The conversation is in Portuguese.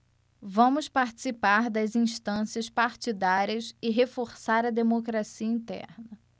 vamos participar das instâncias partidárias e reforçar a democracia interna